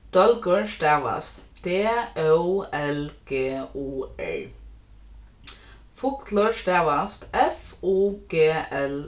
dólgur stavast d ó l g u r fuglur stavast f u g l